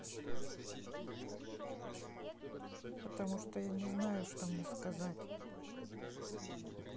потому что я не знаю что мне сказать